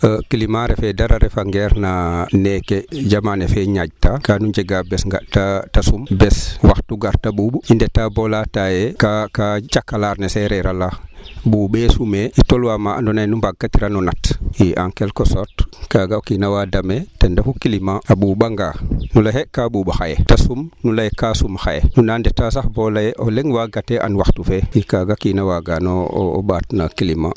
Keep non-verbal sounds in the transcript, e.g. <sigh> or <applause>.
<hesitation> climat